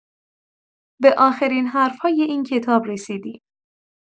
به آخرین حرف‌های این کتاب رسیدیم.